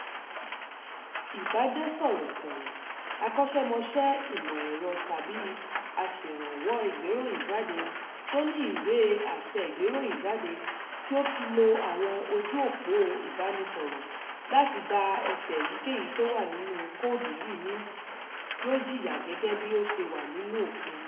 Ì báà jẹ́ Sọ̀rọ̀sọ̀rọ̀, Akọ́ṣẹmọṣẹ ìmọ̀ ẹ̀rọ tàbí Aṣerànwó ìgbéròyìn jáde tó ní ìwé àṣẹ ìgbéròyìn jáde tí ó ti lo àwọn ojú òpó ìbánisọ̀rọ̀ láti dá ẹ̀ṣẹ̀ èyíkèyí tó wà nínú kóòdù yìí ni yóò jìyà gẹ́gẹ́ bí ó ṣe wà nínú ofin.